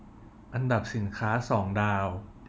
อันดับสินค้าสองดาว